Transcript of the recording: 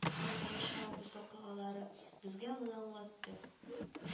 Монда яшәвебез вакыйгалары безгә моны аңлатты